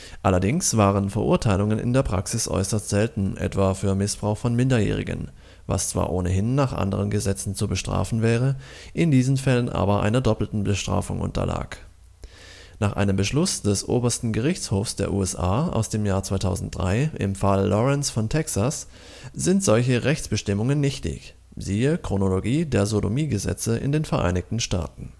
Allerdings waren Verurteilungen in der Praxis äußerst selten, etwa für Missbrauch von Minderjährigen – was zwar ohnehin nach anderen Gesetzen zu bestrafen wäre, in diesen Fällen aber einer doppelten Bestrafung unterlag. Nach einem Beschluss des obersten Gerichtshofs der USA aus dem Jahr 2003 im Fall Lawrence v. Texas sind solche Rechtsbestimmungen nichtig. (→Chronologie der Sodomiegesetze in den Vereinigten Staaten